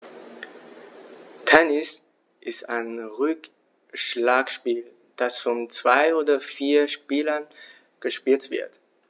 Tennis ist ein Rückschlagspiel, das von zwei oder vier Spielern gespielt wird.